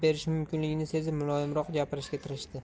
berishi mumkinligini sezib muloyimroq gapirishga tirishdi